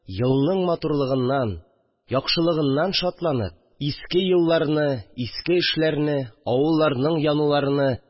Елның матурлыгыннан , яхшылыгыннан шатланып, иске елларны, иске эшләрне, авылларның януларыны